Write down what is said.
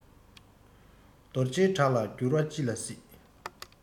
རྡོ རྗེའི བྲག ལ འགྱུར བ ཅི ལ སྲིད